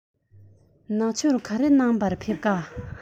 ནག ཆུར ག རེ གནང བར ཕེབས ཀ